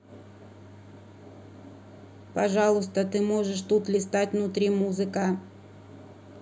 пожалуйста ты можешь тут листать внутри музыка